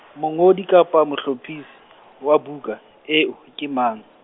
mongodi kapa mohlophisi, wa buka, eo, ke mang?